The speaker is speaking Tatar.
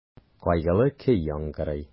Кайгылы көй яңгырый.